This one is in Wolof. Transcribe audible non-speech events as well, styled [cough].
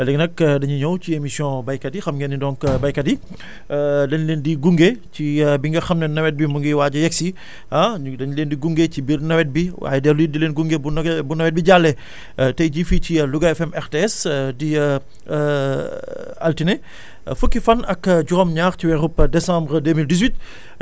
léegi nag dañuy ñëw ci émission béykat yi xam ngeen ne donc [noise] béykat yi [breath] [hesitation] dañ len di gunge ci bi nga xamee ni nawet bi mu ngi waaj a yegg si [breath] ah ñun dañu leen di gunge ci biir nawet bi waaye dellu it di leen gunge bu bu nawet bi jàllee [breath] tey jii fii ci Louga FM RTS [hesitation] di [hesitation] altine [breath] fukki fan ak juróom-ñaar ci weerub décembre deux mille dix huit [breath]